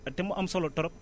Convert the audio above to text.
te mu ama solo trop